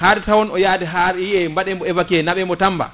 haade taw on yaahade wiye mbaɗemo évacuer nawemo Tamba